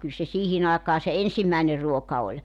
kyllä se siihen aikaan se ensimmäinen ruoka oli